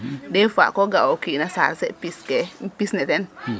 dés fois ko ga a o kina sarse pis ke pis ne ten